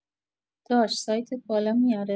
داش سایتت بالا میاره؟